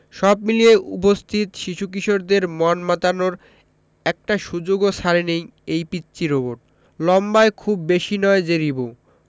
সব মিলিয়ে উপস্থিত শিশু কিশোরদের মন মাতানোর একটি সুযোগও ছাড়েনি এই পিচ্চি রোবট লম্বায় খুব বেশি নয় যে রিবো